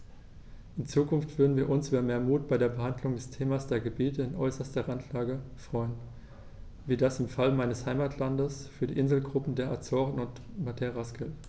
In Zukunft würden wir uns über mehr Mut bei der Behandlung des Themas der Gebiete in äußerster Randlage freuen, wie das im Fall meines Heimatlandes für die Inselgruppen der Azoren und Madeiras gilt.